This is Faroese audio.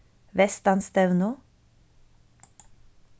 vestanstevnu